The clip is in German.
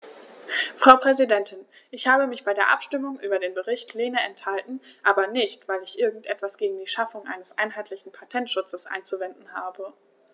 Frau Präsidentin, ich habe mich bei der Abstimmung über den Bericht Lehne enthalten, aber nicht, weil ich irgend etwas gegen die Schaffung eines einheitlichen Patentschutzes einzuwenden habe.